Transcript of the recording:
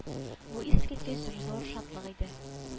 Бу искиткеч зур зур шатлык иде